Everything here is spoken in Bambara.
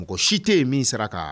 Mɔgɔ si tɛ yen min sara kan